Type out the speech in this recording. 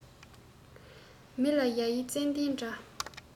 མ ལ ཡ ཡི ཙན དན དྲི